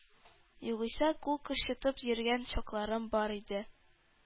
Югыйсә, кул кычытып йөргән чакларым бар иде.